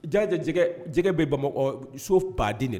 Jaja jɛgɛ bɛ bamakɔ so baden de